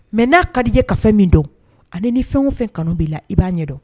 Mɛ n'a kadi i ye ka fɛn min dɔn ani ni fɛn o fɛn kanu b' la i b'a ɲɛ dɔn